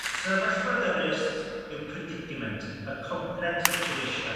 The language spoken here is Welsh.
sefyllfa ddyrus yw predicament a complex situation.*